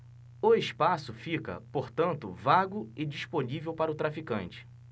o espaço fica portanto vago e disponível para o traficante